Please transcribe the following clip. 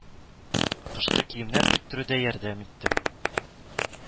Кышкы киемнәр тектерүдә ярдәм итте